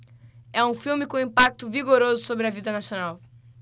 é um filme com um impacto vigoroso sobre a vida nacional